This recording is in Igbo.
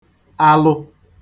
alụ